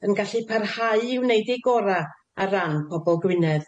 yn gallu parhau i wneud eu gora ar ran pobol Gwynedd.